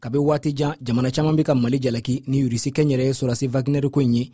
kabi waati jan jamana caman bɛ ka mali jalaki ni irisi kɛnyɛrɛyesɔrɔdasi wagner ko in ye